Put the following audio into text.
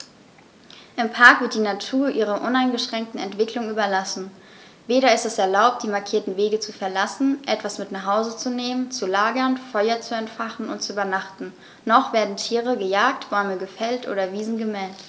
Im Park wird die Natur ihrer uneingeschränkten Entwicklung überlassen; weder ist es erlaubt, die markierten Wege zu verlassen, etwas mit nach Hause zu nehmen, zu lagern, Feuer zu entfachen und zu übernachten, noch werden Tiere gejagt, Bäume gefällt oder Wiesen gemäht.